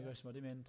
Nag oes, ma' di mynd.